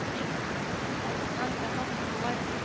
Ир назыннан тәмам йомыла